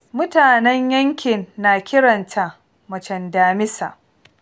Mutanen yankin na kiranta "macen damisa".